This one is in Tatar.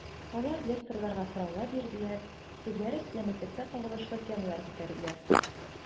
Алар лекторларга сораулар бирделәр, үзләре сәламәтлеккә кагылышлы темалар күтәрделәр.